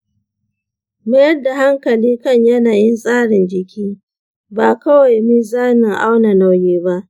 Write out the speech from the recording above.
mayar da hankali kan yanayin tsarin jiki, ba kawai mizanin auna nauyi ba.